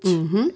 ja.